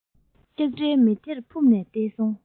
ཙག སྒྲའི མེ དེར ཕུ བཏབ ནས བསད